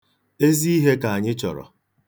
Ezi ihe ka anyị chọrọ.